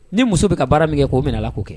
Ni muso bɛ ka baara min kɛ k'o minɛ na k' kɛ